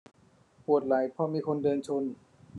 ปวดไหล่เพราะมีคนเดินชน